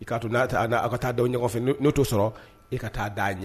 I ka n ka taa da ɲɔgɔnfɛ n'o to sɔrɔ e ka taa da' a ɲɛ